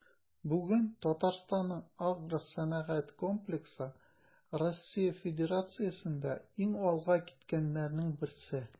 Бүген Татарстанның агросәнәгать комплексы Россия Федерациясендә иң алга киткәннәрнең берсе.